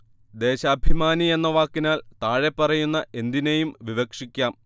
ദേശാഭിമാനി എന്ന വാക്കിനാൽ താഴെപ്പറയുന്ന എന്തിനേയും വിവക്ഷിക്കാം